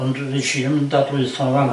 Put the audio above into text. Ond 'nes i ddim dadlwytho'n fan 'no... Ia.